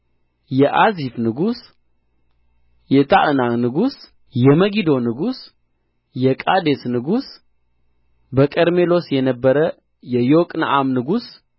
የአዚፍ ንጉሥ የታዕናክ ንጉሥ የመጊዶ ንጉሥ የቃዴስ ንጉሥ በቀርሜሎስ የነበረ የዮቅንዓም ንጉሥ